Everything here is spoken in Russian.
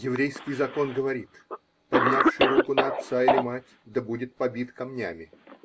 *** Еврейский закон говорит: поднявший руку на отца или мать -- да будет побит камнями.